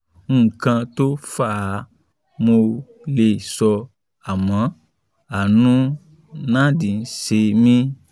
Nǹkan to fà á mo ‘ò le sọ àmọ́ àánú Nad ṣe mí.